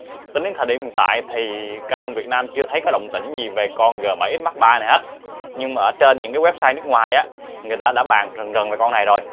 tính đến thời điểm hiện tại thì canon vn chưa thấy có động tĩnh gì về con g x mark iii này hết những mà ở trên những website nước ngoài người ta đã bàn rần rần về con này rồi